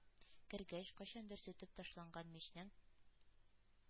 Кергәч, кайчандыр сүтеп ташланган мичнең